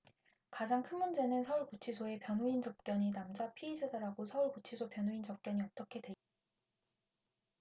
가장 큰 문제는 서울 구치소에 변호인 접견이 남자 피의자들하고 서울 구치소 변호인 접견이 어떻게 돼 있어요